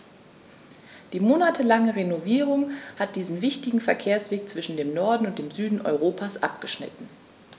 Die monatelange Renovierung hat diesen wichtigen Verkehrsweg zwischen dem Norden und dem Süden Europas abgeschnitten.